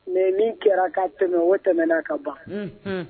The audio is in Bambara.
Mais min kɛra ka tɛmɛ, o tɛmɛna o ka ban, unhun.